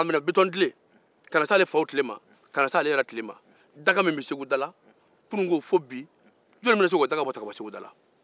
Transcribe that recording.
k'a minɛ bintɔntile ale faw tile ka na se ale yɛrɛ tile ma daga min bɛ segu da la jɔn bɛna o ta ka bɔ a da la